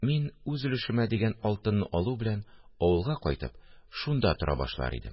Мин, үз өлешемә дигән алтынны алу белән, авылга кайтып, шунда тора башлар идем